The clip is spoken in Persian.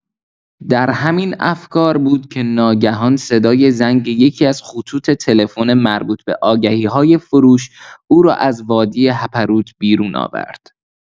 در همین افکار بود که ناگهان صدای زنگ یکی‌از خطوط تلفن مربوط به آگهی‌های فروش، او را از وادی هپروت بیرون آورد.